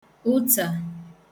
ụtà